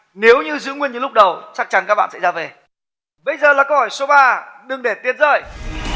nếu như giữ nguyên như lúc đầu chắc chắn các bạn sẽ ra về bây giờ là câu hỏi số ba đừng để tiền rơi